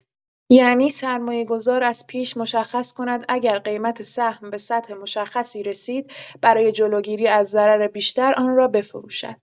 یعنی سرمایه‌گذار از پیش مشخص کند اگر قیمت سهم به سطح مشخصی رسید، برای جلوگیری از ضرر بیشتر آن را بفروشد.